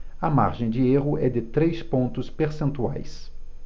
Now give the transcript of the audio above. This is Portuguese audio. a margem de erro é de três pontos percentuais